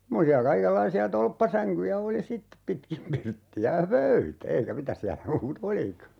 semmoisia kaikenlaisia tolppasänkyjä oli sitten pitkin pirttiä ja pöytä eikä mitä siellä muuta olikaan